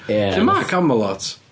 Ia... Lle ma Camelot?